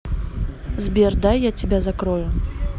сбер дай я тебя закрою